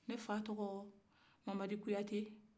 ne fa tɔgɔ mamadi kuyate